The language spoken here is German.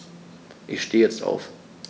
Ich stehe jetzt auf.